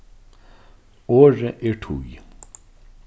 orðið er tíð